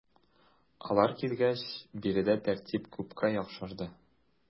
Алар килгәч биредә тәртип күпкә яхшырды.